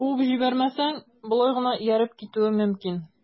Куып җибәрмәсәң, болай гына ияреп китүем мөмкин...